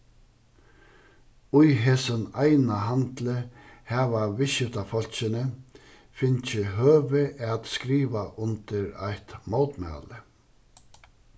í hesum eina handli hava viðskiftafólkini fingið høvið at skriva undir eitt mótmæli